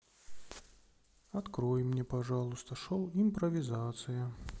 открой мне пожалуйста шоу импровизация